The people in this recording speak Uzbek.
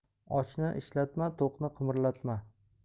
ochni ishlatma to'qni qimirlatma